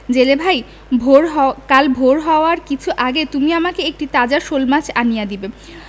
জেলে ভাই ভোরকাল ভোর হওয়ার কিছু আগে তুমি আমাকে একটি তাজা শোলমাছ আনিয়া দিবে